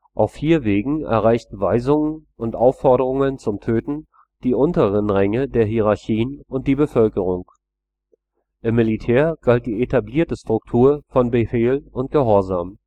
Auf vier Wegen erreichten Weisungen und Aufforderungen zum Töten die unteren Ränge der Hierarchien und die Bevölkerung. Im Militär galt die etablierte Struktur von Befehl und Gehorsam